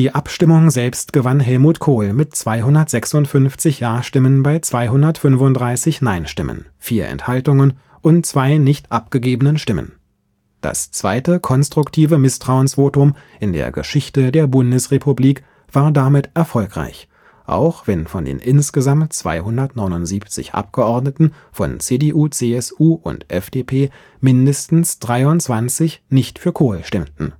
Abstimmung selbst gewann Helmut Kohl mit 256 Ja-Stimmen bei 235 Nein-Stimmen, vier Enthaltungen und zwei nicht abgegebenen Stimmen. Das zweite konstruktive Misstrauensvotum in der Geschichte der Bundesrepublik war damit erfolgreich, auch wenn von den insgesamt 279 Abgeordneten von CDU/CSU und FDP mindestens 23 nicht für Kohl stimmten